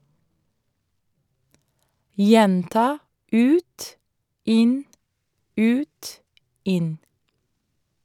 Gjenta ut, inn, ut, inn.